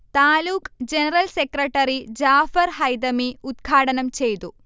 taluk general secretary Jafar Haithami ഉദ്ഘാടനം ചെയ്തു